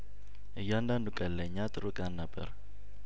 እያንዳንዱ ቀን ለእኛ ጥሩ ቀን ነበር